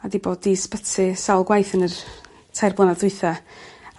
a 'di bod i sbyty sawl gwaith yn yr tair blynadd dwitha